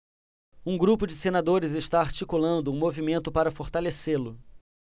um grupo de senadores está articulando um movimento para fortalecê-lo